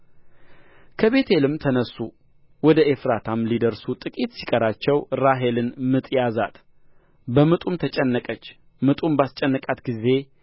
ከቤቴልም ተነሡ ወደ ኤፍራታም ሊደርሱ ጥቂት ሲቀራቸው ራሔልን ምጥ ያዛት በምጡም ተጨነቀች ምጡም ባስጨነቃት ጊዜ